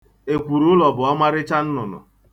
Ekwurụụlọ bụ ọmarịcha nnụnụ.